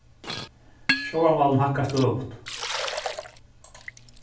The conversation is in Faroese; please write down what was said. sjóvarmálin hækkar støðugt